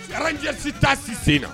Alajɛsi taa si sen na